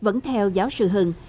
vẫn theo giáo sư hưng